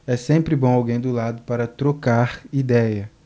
é sempre bom alguém do lado para trocar idéia